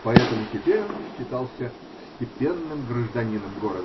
Поэтому теперь он считался "степенным гражданином" г.